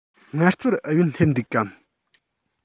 ངལ རྩོལ ཨུ ཡོན སླེབས འདུག གམ